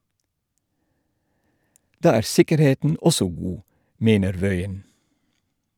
Da er sikkerheten også god, mener Wøien.